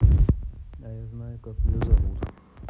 а я знаю как ее зовут